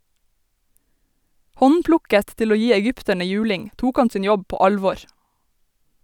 Håndplukket til å gi egypterne juling, tok han sin jobb på alvor.